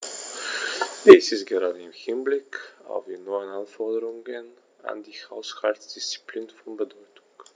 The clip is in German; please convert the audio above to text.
Dies ist gerade im Hinblick auf die neuen Anforderungen an die Haushaltsdisziplin von Bedeutung.